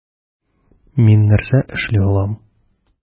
Мин нәрсә эшли алам?